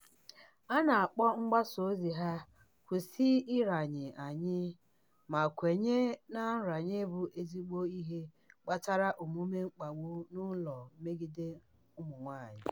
A na-akpọ mgbasa ozi ha "Kwụsị Ịranye Anyị" ma kwenye na nranye bụ ezigbo ihe kpatara omume mkpagbu n'ụlọ megide ụmụ nwaanyị.